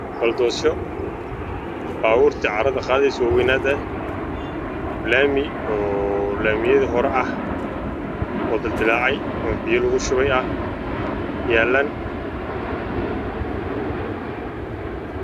Meeshaan waxaa ka muuqdo booldoosyo oo kuwii carada qaadeysay ah